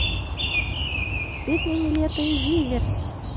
песня niletto и zivert